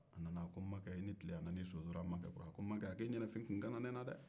a nan'i sonsoro a makɛ kɔrɔ k'i ni tile a ko makɛ e ɲɛnafin tun gana ne la dɛ